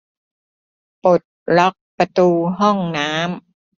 ปลดล็อกประตูห้องน้ำ